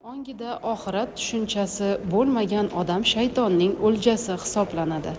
ongida oxirat tushunchasi bo'lmagan odam shaytonning o'ljasi hisoblanadi